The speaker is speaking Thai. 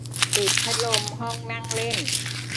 ปิดพัดลมห้องนั่งเล่น